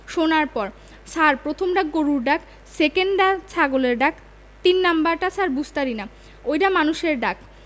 শোনার পর ছার প্রথমডা গরুর ডাক সেকেন ডা ছাগলের ডাক তিন নাম্বারডা ছার বুঝতারিনা ওইডা মানুষের ডাক